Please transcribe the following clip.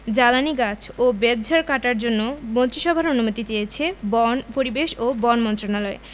জ্বালানি গাছ ও বেতঝাড় কাটার জন্য মন্ত্রিসভার অনুমতি চেয়েছে বন পরিবেশ ও বন মন্ত্রণালয়